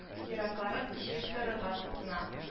Зиратларын җыштырыга тотына